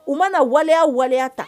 U mana waleya waleya ta.